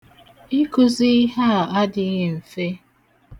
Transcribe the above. Ịkụzi ihe a adịghị mfe.